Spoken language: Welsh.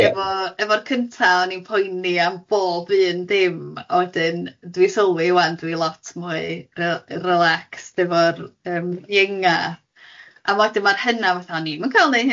...efo efo'r cynta o'n i'n poeni am bob un dim a wedyn dwi'n sylwi ŵan dwi lot mwy yy re- relaxed efo'r yym ienga a wedyn ma'r hynna fatha o'n i'm yn cael neu hynna oedran yna.